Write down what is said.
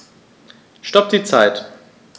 Stopp die Zeit